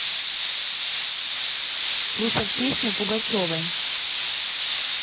слушать песню пугачевой